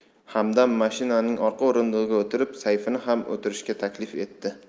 hamdam mashinaning orqa o'rindig'iga o'tirib sayfini ham o'tirishga taklif etdi